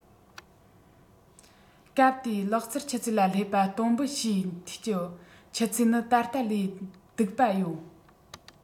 སྐབས དེའི ལག རྩལ ཆུ ཚད ལ བསླེབས པ གཏོང འབུད བྱས འཐུས ཀྱི ཆུ ཚད ནི ད ལྟ ལས སྡུག པ ཡོད